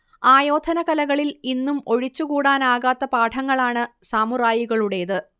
ആയോധന കലകളിൽ ഇന്നും ഒഴിച്ചുകൂടാനാകാത്ത പാഠങ്ങളാണ് സാമുറായികളുടേത്